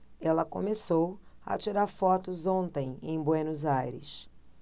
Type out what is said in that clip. ela começou a tirar fotos ontem em buenos aires